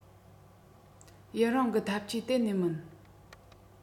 ཡུན རིང གི ཐབས ཇུས གཏན ནས མིན